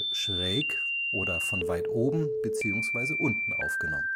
schräg oder von weit oben bzw. unten aufgenommen